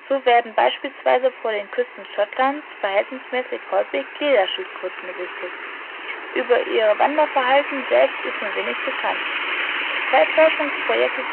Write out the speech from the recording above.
So werden beispielsweise vor den Küsten Schottlands verhältnismäßig häufig Lederschildkröten gesichtet. Über ihr Wanderverhalten selbst ist nur wenig bekannt. Zwei Forschungsprojekte